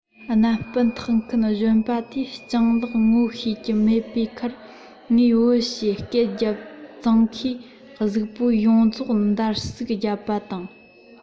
སྣམ སྤུ འཐགས མཁན གཞོན པ དེས སྤྱང ལགས ངོ ཤེས ཀྱི མེད པའི ཁར ངའི བུ ཞེས སྐད རྒྱབ ཙང ཁོའི གཟུགས པོ ཡོངས རྫོགས འདར གསིག རྒྱག པ དང